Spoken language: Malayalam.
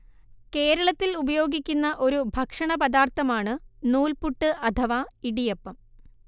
കേരളത്തിൽ ഉപയോഗിക്കുന്ന ഒരു ഭക്ഷണപദാർത്ഥമാണ് നൂൽപുട്ട് അഥവാ ഇടിയപ്പം